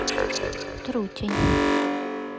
trueтень